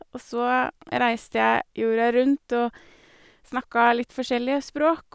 Og så reiste jeg jorda rundt og snakka litt forskjellige språk.